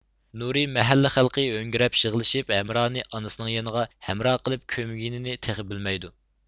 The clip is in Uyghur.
نۇرى مەھەللە خەلقى ھۆڭگىرەپ يىغلىشىپ ھەمرانى ئانىسىنىڭ يېنىغا ھەمراھ قىلىپ كۆمگىنىنى تېخى بىلمەيدۇ